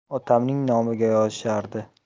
otamning nomiga yozishardi